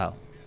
waaw